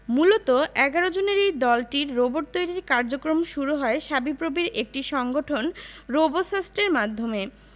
মূলত ১১ জনের এই দলটির রোবট তৈরির কার্যক্রম শুরু হয় শাবিপ্রবির একটি সংগঠন রোবোসাস্টের মাধ্যমে